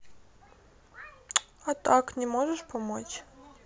а так не можешь помочь